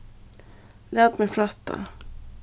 lat meg frætta